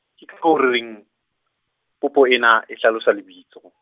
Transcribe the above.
-ko reng, popo ena, e hlalosa lebitso.